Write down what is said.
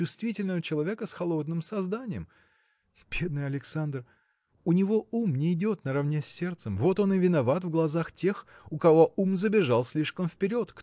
чувствительного человека с холодным созданием! Бедный Александр! У него ум нейдет наравне с сердцем вот он и виноват в глазах тех у кого ум забежал слишком вперед